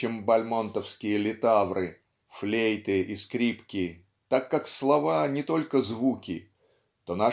чем бальмонтовские литавры флейты и скрипки так как слова не только звуки то